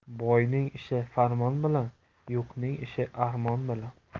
boyning ishi farmon bilan yo'qning ishi armon bilan